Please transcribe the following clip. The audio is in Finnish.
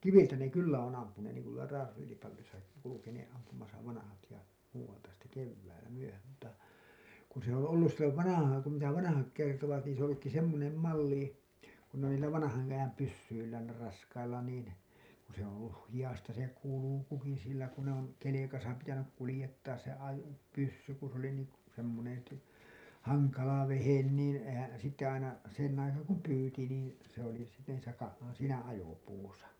kiviltä ne kyllä on ampuneet niin kuin tuolla Raaselipallissakin kulkeneet ampumassa vanhat ja muualta sitten keväällä myöhään mutta kun se on ollut silloin vanhaan kun mitä vanhat kertovat niin se on ollutkin semmoinen malli kun ne oli niillä vanhanajan pyssyillään niillä raskailla niin kun se on ollut hihasta se kulki sillä kun ne on kelkassa pitänyt kuljettaa se - ajopyssy kun se oli niin - semmoinen - hankala vehje niin eihän sitten aina sen aikaa kun pyysi niin se oli se niissä - siinä ajopuussa